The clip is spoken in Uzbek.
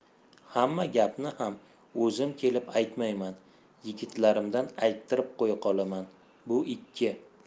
hamma gapni ham o'zim kelib aytmayman yigitlarimdan ayttirib qo'ya qolaman bu ikki